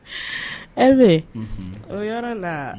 E bɛ o yɔrɔ la